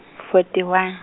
forty one.